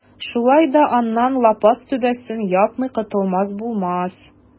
Шулай да аннан лапас түбәсен япмый котылып булмас.